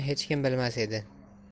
hech kim bilmas edi